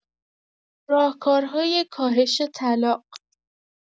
راهکارهای کاهش طلاق